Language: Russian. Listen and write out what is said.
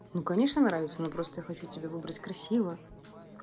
ну конечно нравится ну просто я хочу тебя выбрать красиво